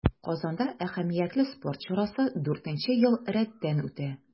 Казанда әһәмиятле спорт чарасы дүртенче ел рәттән үтә.